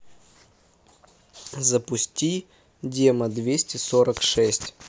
запусти демо двести сорок шесть